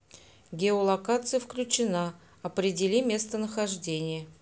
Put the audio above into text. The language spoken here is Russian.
геолокация включена определи местонахождение